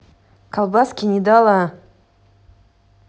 колбаски не дала